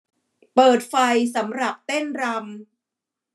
เปิดไฟสำหรับเต้นรำ